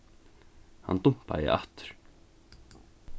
hann dumpaði aftur